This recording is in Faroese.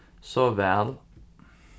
sov væl